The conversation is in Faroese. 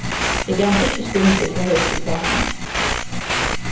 eg gav mær ikki stundir til at heilsa upp á hana